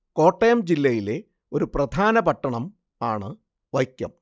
കോട്ടയം ജില്ലയിലെ ഒരു പ്രധാന പട്ടണം ആണ് വൈക്കം